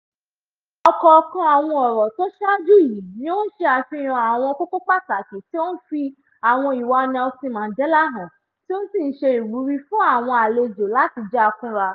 Ọ̀kọọ̀kan àwọn ọ̀rọ̀ tó ṣáájú yìí ni ó ń ṣàfihàn àwọn kókó pàtàkì tí ó ń fi àwọn ìwà Nelson Mandela hàn tí ó sì ń ṣe ìwúrí fún àwọn àlejò láti já kúnra.